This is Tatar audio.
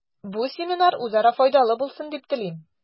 Бу семинар үзара файдалы булсын дип телим.